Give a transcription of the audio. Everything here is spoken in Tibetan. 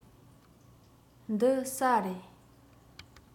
འདི ཟྭ རེད